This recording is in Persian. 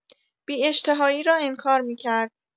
بی‌اشتهایی را انکار می‌کرد.